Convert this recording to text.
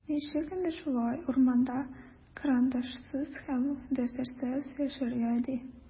Ничек инде шулай, урманда карандашсыз һәм дәфтәрсез яшәргә, ди?!